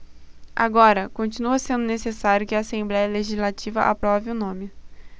agora continua sendo necessário que a assembléia legislativa aprove o nome